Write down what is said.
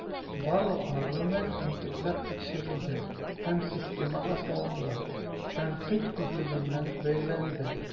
Барлык мәгълүмат җентекләп тикшерелде һәм системага салынды, тәнкыйть күзлегеннән бәяләнде.